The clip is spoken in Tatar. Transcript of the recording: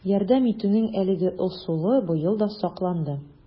Ярдәм итүнең әлеге ысулы быел да сакланды: